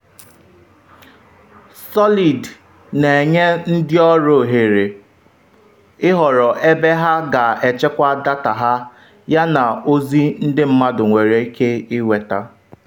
Solid na-enye ndị ọrụ oghere ịhọrọ ebe ha ga-echekwa data ha yana ozi ndị mmadụ nwere ike nweta.